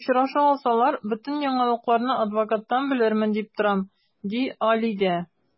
Очраша алсалар, бөтен яңалыкларны адвокаттан белермен дип торам, ди Алидә.